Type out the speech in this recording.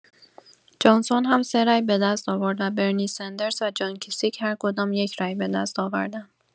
جانسون هم سه رای به دست آورد و برنی سندرز و جان کیسیک هر کدام‌یک رای به دست آوردند.